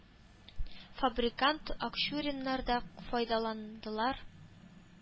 Фабрикант акчуриннар да файдаландылар.